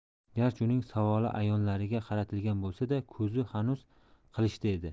garchi uning savoli a'yonlariga qaratilgan bo'lsa da ko'zi hanuz qilichda edi